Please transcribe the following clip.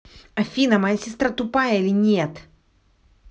афина моя сестра тупая или нет